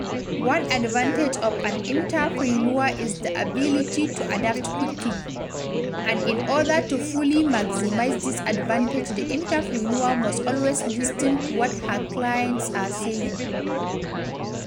One advantage of an entrepreneur is the ability to adapt quickly, and in order to fully maximize this advantage the entrepreneur must always listen to what her client's are saying.